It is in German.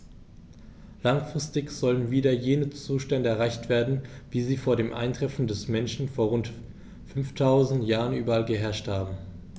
Langfristig sollen wieder jene Zustände erreicht werden, wie sie vor dem Eintreffen des Menschen vor rund 5000 Jahren überall geherrscht haben.